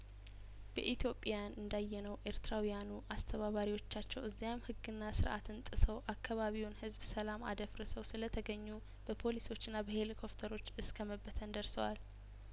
በኢትዮጵያን እንዳየነው ኤርትራውያኑ አስተባባሪዎቻቸው እዚያም ህግና ስነስርአትን ጥሰው አካባቢውን ህዝብ ሰላም አደፍርሰው ስለተገኙ በፖሊሶችና በሄሊኮፕተሮች እስከመበተን ደርሰዋል